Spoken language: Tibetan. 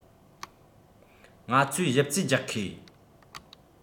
ང ཚོས ཞིབ རྩིས རྒྱག མཁས